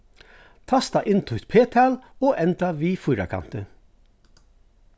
tasta inn títt p-tal og enda við fýrakanti